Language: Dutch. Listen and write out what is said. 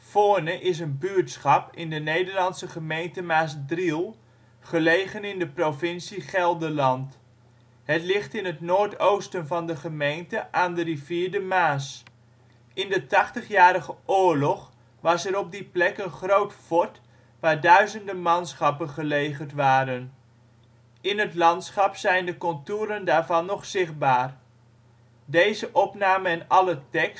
Voorne is een buurtschap in de Nederlandse gemeente Maasdriel, gelegen in de provincie Gelderland. Het ligt in het noordoosten van de gemeente aan de rivier de Maas. In de Tachtigjarige Oorlog was er op die plek een groot fort waar duizenden manschappen gelegerd waren. In het landschap zijn de contouren daarvan nog zichtbaar. Plaatsen in de gemeente Maasdriel Dorpen: Alem · Ammerzoden · Hedel · Heerewaarden · Hoenzadriel · Hurwenen · Kerkdriel · Rossum · Velddriel · Well · Wellseind Buurtschappen: Californië · Doorning · Rome · Sint Andries · Slijkwell · Veluwe · Voorne · Wordragen Gelderland: Steden en dorpen in Gelderland Nederland: Provincies · Gemeenten 51° 47 ' NB, 5°